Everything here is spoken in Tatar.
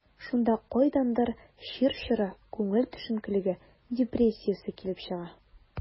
Шунда кайдандыр чир чоры, күңел төшенкелеге, депрессиясе килеп чыга.